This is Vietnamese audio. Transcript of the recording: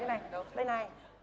này đâu đây này